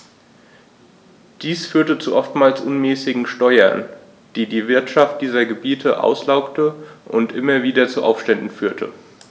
Dies führte zu oftmals unmäßigen Steuern, die die Wirtschaft dieser Gebiete auslaugte und immer wieder zu Aufständen führte.